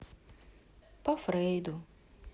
по фрейду